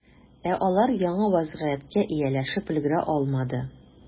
Ә алар яңа вәзгыятькә ияләшеп өлгерә алмады.